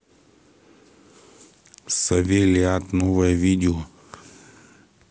савелий ад новое видео